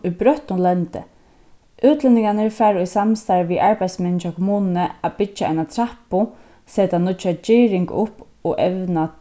í brøttum lendi útlendingarnir fara í samstarv við arbeiðsmenn hjá kommununi at byggja eina trappu seta nýggja girðing upp og evna